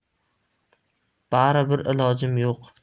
bari bir ilojim yo'q